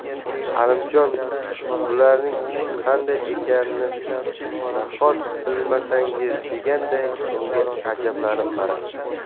halimjon bularning ishi qanday ekanini nahot bilmasangiz deganday unga ajablanib qaradi